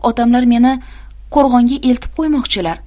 otamlar meni qo'rg'onga eltib qo'ymoqchilar